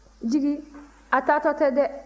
jigi a taatɔ tɛ dɛ